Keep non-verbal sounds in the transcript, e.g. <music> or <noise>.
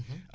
<hesitation> <hesitation>